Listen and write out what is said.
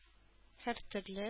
Һәртөрле